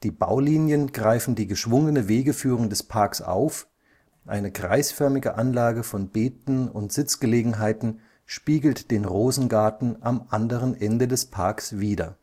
Baulinien greifen die geschwungene Wegeführung des Parks auf, eine kreisförmige Anlage von Beeten und Sitzgelegenheiten spiegelt den Rosengarten am anderen Ende des Parks wider